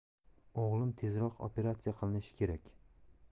o'g'lim tezroq operatsiya qilinishi kerak